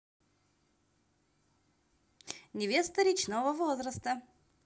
невеста речного возраста